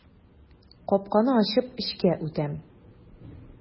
Капканы ачып эчкә үтәм.